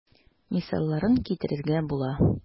Мисалларын китерергә була.